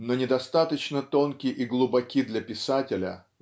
но недостаточно тонки и глубоки для писателя